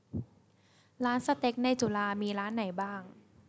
ร้านสเต็กในจุฬามีร้านไหนบ้าง